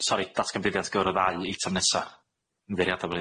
Sori datgan buddiant ar gyfar y ddau item nesa.